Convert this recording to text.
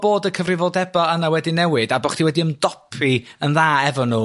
bod y cyfrifodeba' yna wedi newid a bo' chdi wedi ymdopi yn dda efo n'w